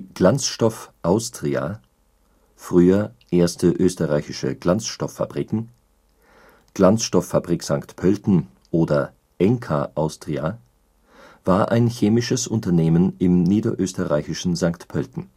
Glanzstoff Austria (früher Erste österreichische Glanzstoff-Fabriken, Glanzstoff-Fabrik St. Pölten oder Enka Austria) war ein chemisches Unternehmen im niederösterreichischen St. Pölten